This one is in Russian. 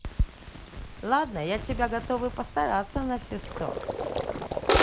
ладно я тебя готовы постараться на все сто